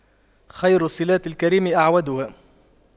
خير صِلاتِ الكريم أَعْوَدُها